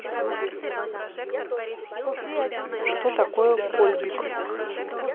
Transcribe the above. что такое кольбик